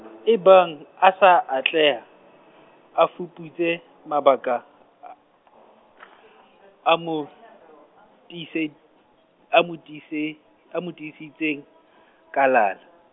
ebang a sa atleha, a fuputse mabaka ,, a a mo, tiise, a mo tiise, tiisitseng, kalala.